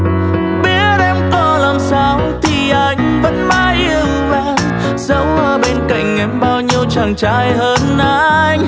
biết em có làm sao thì anh vẫn mãi yêu em dẫu ở bên cạnh em bao nhiêu chàng trai hơn anh